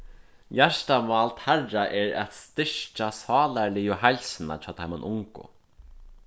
hjartamál teirra er at styrkja sálarligu heilsuna hjá teimum ungu